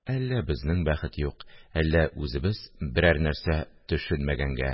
Әллә безнең бәхет юк, әллә үзебез берәр нәрсәгә төшенмәгәнгә